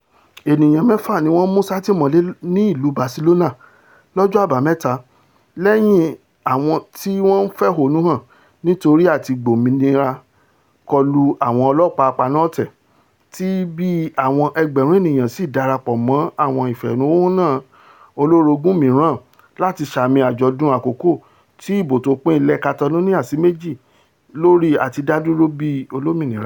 ènìyàn mẹ́fà ni wọ́n mú sátìmọ́lé ní ìlú Barcelona lọ́jọ́ Àbámẹ́ta lẹ́yìn tí àwọn tó ńfẹ̀hónúhàn nítorí àti-gbòmìnira kọlú àwọn ọlọ́ọ̀pá apaná-ọ̀tẹ̀, tí bíi àwọn ẹgbẹ̀rún ènìyàn sì darapọ̀ mọ awọn ìfẹ̀hónúhàn olórogún mìíràn láti ṣààmi àjọ̀dún àkọ́kọ́ ti ìbò tópín ilẹ̀ Catalonia sì méjì lórí àti dá dúró bíi olómìnira.